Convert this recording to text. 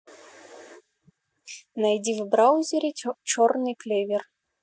найди в браузере черный клевер